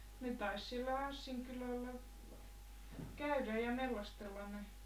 ne taisi siellä Hassin kylällä käydä ja mellastella ne